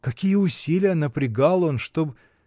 Какие усилия напрягал он, чтоб.